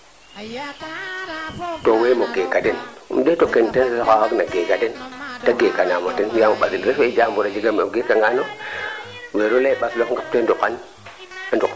a ciinja leene fop affaire ax ke yiin o suura nga no coté laaga o ndeeta ngaan aussi kam ndiing nuna njega jafe jafe eetano sax mais lima ta o ndik sax no premierement ke mais comme in may ndalfoxo muuka rek nga i ngaƴkang